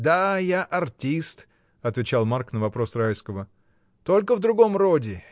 — Да, я артист, — отвечал Марк на вопрос Райского. — Только в другом роде.